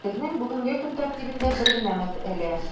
Безнең бүгенге көн тәртибендә бер генә мәсьәлә: